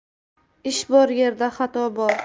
ish bor yerda xato bor